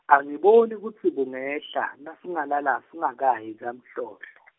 angiboni kutsi bungehla, nasingalala, singakayi kaMhlohlo.